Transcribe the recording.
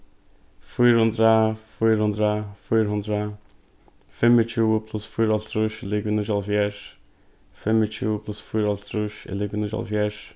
fýra hundrað fýra hundrað fýra hundrað fimmogtjúgu pluss fýraoghálvtrýss er ligvið níggjuoghálvfjerðs fimmogtjúgu pluss fýraoghálvtrýss er ligvið níggjuoghálvfjerðs